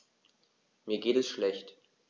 Mir geht es schlecht.